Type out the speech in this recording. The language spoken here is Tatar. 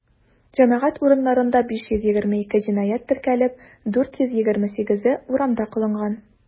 Җәмәгать урыннарында 522 җинаять теркәлеп, 428-е урамда кылынган.